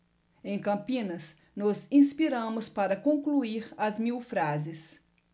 em campinas nos inspiramos para concluir as mil frases